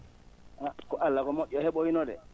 ko Allah ko mo??i hee?oyino de